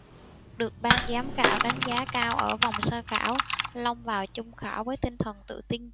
được ban giám khảo đánh giá cao ở vòng sơ khảo long vào chung khảo với tinh thần tự tin